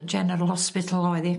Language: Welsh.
General hospital oedd 'i...